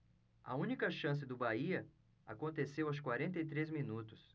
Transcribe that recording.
a única chance do bahia aconteceu aos quarenta e três minutos